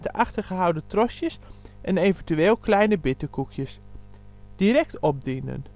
achtergehouden trosjes en eventueel kleine bitterkoekjes. Direct opdienen